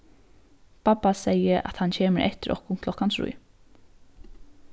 babba segði at hann kemur eftir okkum klokkan trý